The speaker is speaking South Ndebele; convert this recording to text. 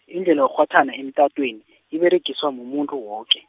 indlhela yokukghwathana emtatweni, iberegiswa mumuntu woke.